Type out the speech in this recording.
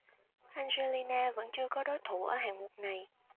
angelina vẫn chưa có đối thủ ở hạng mục này